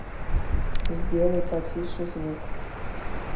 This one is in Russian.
сделай потише звук